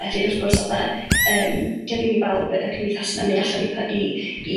hefyd wrth gwrs wrth gwrs 'atha ymm dio ddim i bawb y cymdeithasu 'na mynd allan i, i, i,